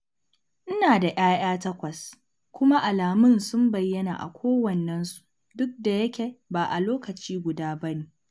'Ina da 'ya'ya takwas, kuma alamun sun bayyana a kownannensu duk da yake ba a lokaci guda ba ne''.